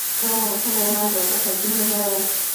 fel ma' ma' pobol yn meddwl fatha 'dyn nw'm yn meddwl